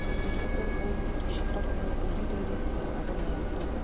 Бераздан ул көтүче картның үле гәүдәсенә абына язды.